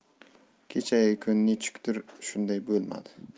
kechagi kun nechukdir shunday bo'lmadi